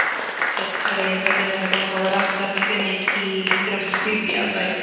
Tibod, ma'n raid i ni fod yn ymwybodol o'r amser ma'n gymyd i drawsgrifio does.